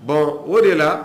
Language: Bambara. Bɔn o de la